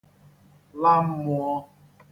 la mmụọ̄